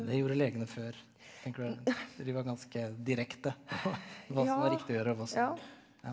det gjorde legene før tenker du de var ganske direkte på hva som var riktig å gjøre og hva som ja.